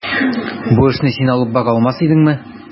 Бу эшне син алып бара алмас идеңме?